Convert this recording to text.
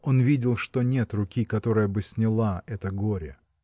Он видел, что нет руки, которая бы сняла это горе.